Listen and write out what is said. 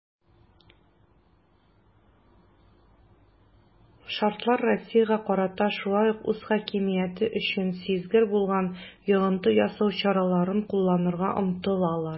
Штатлар Россиягә карата шулай ук үз хакимияте өчен сизгер булган йогынты ясау чараларын кулланырга омтылалар.